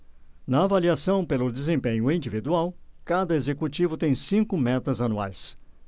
na avaliação pelo desempenho individual cada executivo tem cinco metas anuais